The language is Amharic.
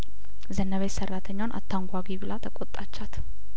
ዘነበች ሰራተኛዋን አታንጓጉ ብላ ተቆጣቻት